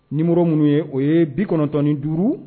Niɔrɔ minnu ye o ye bi kɔnɔn9ɔnin duuru